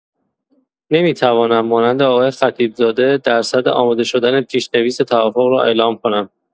نمی‌توانم مانند آقای خطیب زاده درصد آماده شدن پیش‌نویس توافق را اعلام کنم.